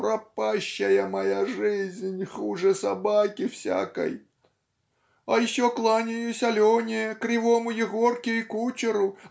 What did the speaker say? Пропащая моя жизнь, хуже собаки всякой. А еще кланяюсь Алене кривому Егорке и кучеру